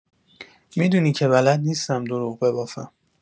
می‌دونی که بلد نیستم دروغ ببافم.